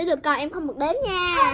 lượt con em không được đếm nha